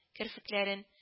Керфекләрен